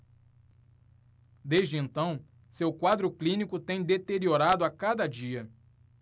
desde então seu quadro clínico tem deteriorado a cada dia